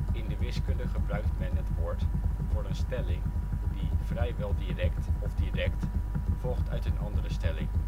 In de wiskunde gebruikt men het woord voor een stelling die (vrijwel) direct volgt uit een andere stelling